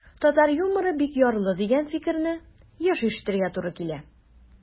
Татар юморы бик ярлы, дигән фикерне еш ишетергә туры килә.